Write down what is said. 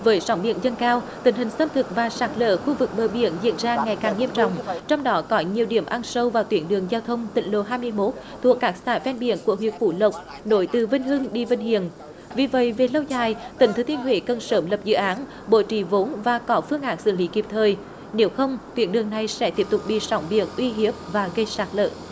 với sóng biển dâng cao tình hình xâm thực và sạt lở khu vực bờ biển diễn ra ngày càng nghiêm trọng trong đó có nhiều điểm ăn sâu vào tuyến đường giao thông tỉnh lộ hai mươi mốt thuộc các xã ven biển của huyện phú lộc nối từ vinh hưng đi vinh hiền vì vậy về lâu dài tỉnh thừa thiên huế cần sớm lập dự án bố trí vốn và có phương án xử lý kịp thời nếu không tuyến đường này sẽ tiếp tục bị sóng biển uy hiếp và gây sạt lở